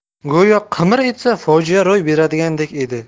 go'yo qimir etsa fojia ro'y beradigandek edi